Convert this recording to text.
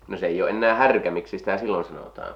no se ei ole enää härkä miksi sitä silloin sanotaan